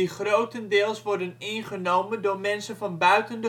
grotendeels worden ingenomen door mensen van buiten